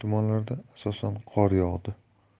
tumanlarda asosan qor yog'di